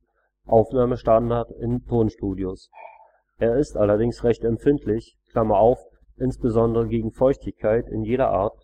Aufnahmestandard in Tonstudios. Er ist allerdings recht empfindlich (insbesondere gegen Feuchtigkeit in jeder Art